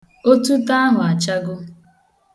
Otuto ahụ achago.